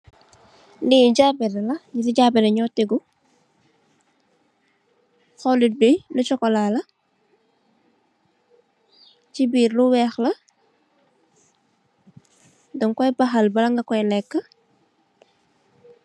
Li jahbere la neti nu tehgo olit bi lo sokola la ci birr lo weex la daga koy bahal bala ga koy lek.